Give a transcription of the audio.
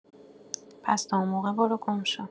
پس تا اون موقع برو گم شو